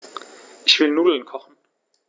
Ich will Nudeln kochen.